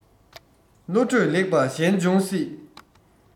བློ གྲོས ལེགས པ གཞན འབྱུང སྲིད